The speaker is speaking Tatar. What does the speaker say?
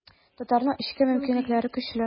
Татарның эчке мөмкинлекләре көчле.